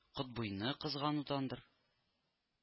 Котбыйны кызганудандыр